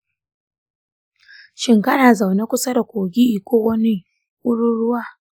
shin kana zaune kusa da kogi ko wani wurin ruwa?